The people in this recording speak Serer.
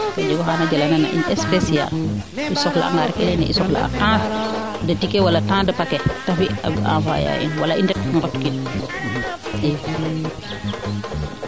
kaa jeg oxaa na jala nan a in speciale i soxla anga rek i leynee i soxla a temps de ticket wala de packet te fi a envoyer a in wala i ndet ngot kin i